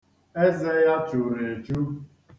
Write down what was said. Eze ya churu echu.